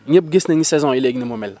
ñëpp gis nañu saison yi léegi ni mu mel